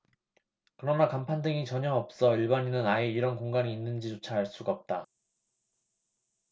그러나 간판 등이 전혀 없어 일반인은 아예 이런 공간이 있는지조차 알 수가 없다